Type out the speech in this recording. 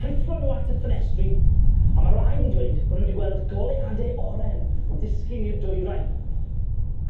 Rhythron nw at y ffenestri, a ma' rai 'di dweud bo' nw wedi gweld goleade oren yn disgyn i'r dwyrain.